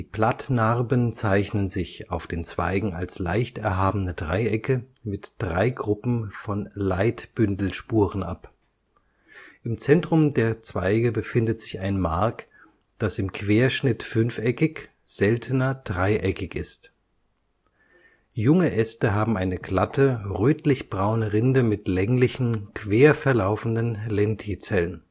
Blattnarben zeichnen sich auf den Zweigen als leicht erhabene Dreiecke mit drei Gruppen von Leitbündelspuren ab. Im Zentrum der Zweige befindet sich ein Mark, das im Querschnitt fünfeckig, seltener dreieckig ist. Junge Äste haben eine glatte, rötlichbraune Rinde mit länglichen, quer verlaufenden Lentizellen